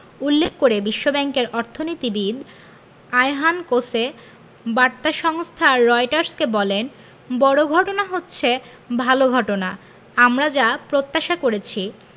উল্লেখ করে বিশ্বব্যাংকের অর্থনীতিবিদ আয়হান কোসে বার্তা সংস্থা রয়টার্সকে বলেন বড় ঘটনা হচ্ছে ভালো ঘটনা আমরা যা প্রত্যাশা করেছি